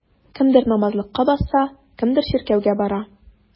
Кемдер намазлыкка басса, кемдер чиркәүгә бара.